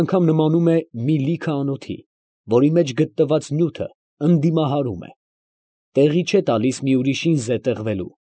Անգամ նմանում է մի լիքը անոթի, որի մեջ գտնված նյութը ընդդիմահարում է, տեղի չէ տալիս մի ուրիշին զետեղվելու։